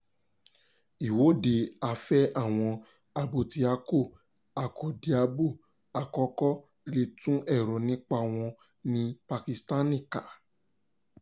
Ìwọ́de afẹ́ àwọn abódiakọ-akọ́diabo àkọ́kọ́ lè tú èrò nípa wọn ní Pakístánì ká